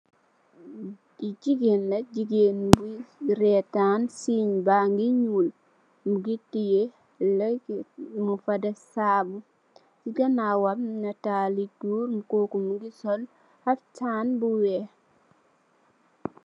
Jigeen la, jigeen bi reetan bi, siinge baa ngi nyuul, mu ngi tiye, mung fa def saabu, si ganaawam, nataalu goor, koo ku mu ngi sol xaftaan yu weex.